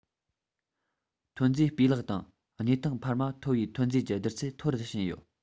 ཐོན རྫས སྤུས ལེགས དང གནས ཐང འཕར མ མཐོ བའི ཐོན རྫས ཀྱི བསྡུར ཚད མཐོ རུ ཕྱིན ཡོད